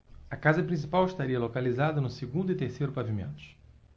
a casa principal estaria localizada no segundo e terceiro pavimentos